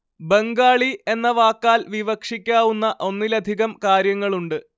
ബംഗാളി എന്ന വാക്കാൽ വിവക്ഷിക്കാവുന്ന ഒന്നിലധികം കാര്യങ്ങളുണ്ട്